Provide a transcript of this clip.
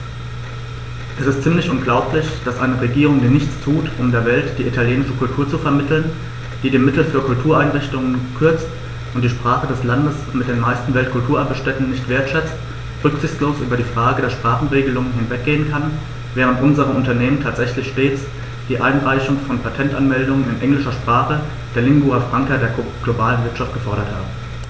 Es ist ziemlich unglaublich, dass eine Regierung, die nichts tut, um der Welt die italienische Kultur zu vermitteln, die die Mittel für Kultureinrichtungen kürzt und die Sprache des Landes mit den meisten Weltkulturerbe-Stätten nicht wertschätzt, rücksichtslos über die Frage der Sprachenregelung hinweggehen kann, während unsere Unternehmen tatsächlich stets die Einreichung von Patentanmeldungen in englischer Sprache, der Lingua Franca der globalen Wirtschaft, gefordert haben.